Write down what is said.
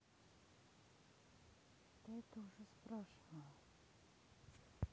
ты это уже спрашивала